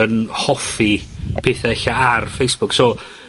yn hoffi pethe ella ar Facebook, so